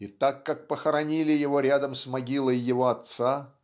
И так как похоронили его рядом с могилой его отца